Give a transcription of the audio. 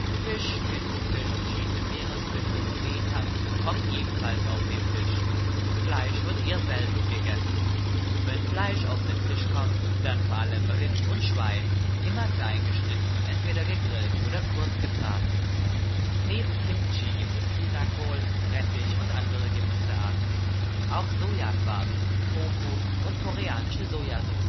Fisch, Tintenfisch, verschiedene Meeresfrüchte und Seetang kommen ebenfalls auf den Tisch. Fleisch wird eher selten gegessen. Wenn Fleisch auf den Tisch kommt, dann vor allem Rind und Schwein, immer kleingeschnitten und entweder gegrillt oder kurzgebraten. Neben Kimchi gibt es Chinakohl, Rettich und andere Gemüsearten. Auch Sojaquark (Tofu) und koreanische Sojasoße